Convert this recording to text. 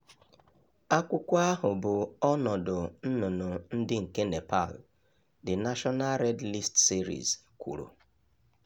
Akwụkwọ ahu bụ Ọnọdụ Nnụnụ ndị nke Nepal: The National Red List Series kwuru: